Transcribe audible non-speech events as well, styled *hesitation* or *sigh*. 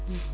*hesitation* *hesitation*